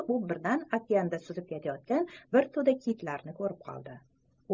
u birdan okeanda suzib ketayotgan bir to'da kitlarni ko'rib qoldi